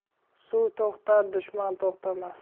suv to'xtar dushman to'xtamas